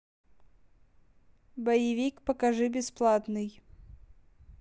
боевик покажи бесплатный